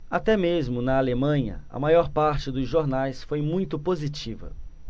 até mesmo na alemanha a maior parte dos jornais foi muito positiva